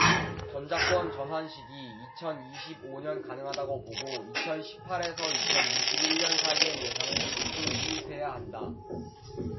전작권 전환 시기 이천 이십 오 년 가능하다고 보고 이천 십 팔 에서 이천 이십 일 년 사이에 예산을 집중 투입해야 한다